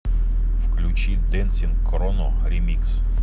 включи дэнсин кроно ремикс